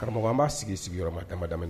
Karamɔgɔ, an b'a sigi sigiyɔrɔma damadamani